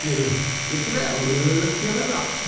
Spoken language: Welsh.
Ydw, licio fe... lylyly- licio fe lot! Fa-